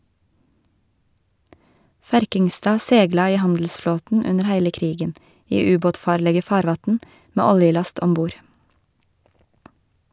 Ferkingstad segla i handelsflåten under heile krigen, i ubåtfarlege farvatn, med oljelast om bord.